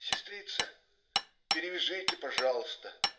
"Сестрица, перевяжите, пожалуйста".